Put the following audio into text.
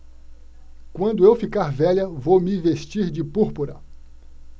quando eu ficar velha vou me vestir de púrpura